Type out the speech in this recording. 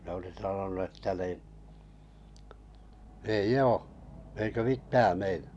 ne oli sanonut että niin ei ole eikä mitään meinaa